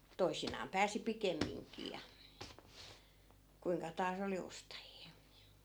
toisinaan pääsi pikemminkin ja kuinka taas oli ostajia ja